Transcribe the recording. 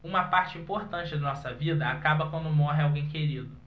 uma parte importante da nossa vida acaba quando morre alguém querido